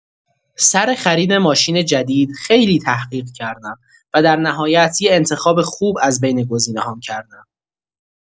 سر خرید ماشین جدید خیلی تحقیق کردم و در نهایت یه انتخاب خوب از بین گزینه‌هام کردم.